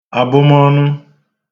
àbụmọọnụ